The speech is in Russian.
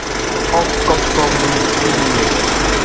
окко мультфильмы